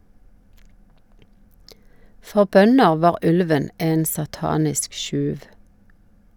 For bønder var ulven en satanisk tjuv.